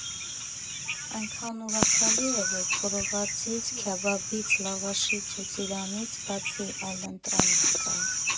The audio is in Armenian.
Այնքան ուրախալի է, որ խորովածից, քյաբաբից, լավաշից ու ծիրանից բացի այլընտրանք կա։